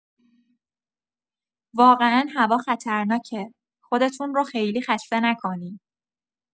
واقعا هوا خطرناکه، خودتون رو خیلی خسته نکنین.